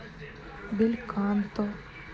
бельканто